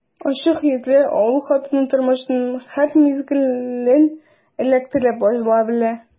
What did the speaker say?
Ачык йөзле авыл хатыны тормышның һәр мизгелен эләктереп ала белә.